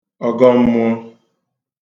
ọ̀gọm̄mụ̄ọ̄